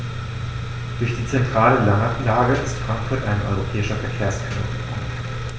Durch die zentrale Lage ist Frankfurt ein europäischer Verkehrsknotenpunkt.